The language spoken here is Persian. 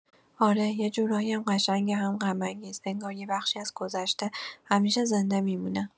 آره، یه جورایی هم قشنگه هم غم‌انگیز، انگار یه بخشی از گذشته همیشه زنده می‌مونه.